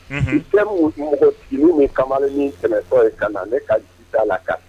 Un kɛmɛ fini ni kamalen min kɛmɛtɔ ye ka na ne ka ji dala kan